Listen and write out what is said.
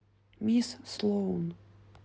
мисс слоун